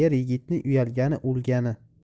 er yigitning uyalgani o'lgani